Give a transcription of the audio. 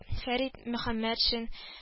Фәрит Мөхәммәтшин